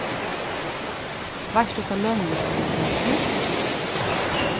veitst tú hvat lønin hjá honum er nú